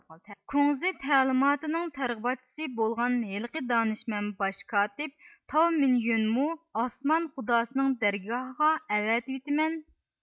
كۇڭزى تەلىماتىنىڭ تەرغىباتچىسى بولغان ھېلىقى دانىشمەن باش كاتىپ تاۋمىنيۆنمۇ ئاسمان خۇداسىنىڭ دەرگاھىغا ئەۋەتىۋېتىمەن